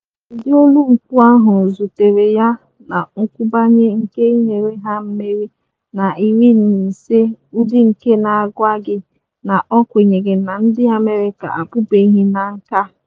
Ụdị olu mkpu ahụ zutere ya na nkụbanye nke nyere ha mmeri na 15, ụdị nke na-agwa gị na ọ kwenyere na ndị America apụbeghị na nke a.